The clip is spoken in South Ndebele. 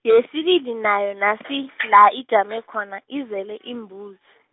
yesibili nayo nasi la ijame khona izele iimbuzi.